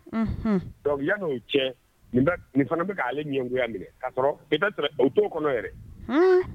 U yano cɛ nin fana bɛ'ale ɲɛgoya minɛ o t to kɔnɔ